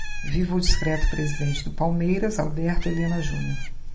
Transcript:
viva o discreto presidente do palmeiras alberto helena junior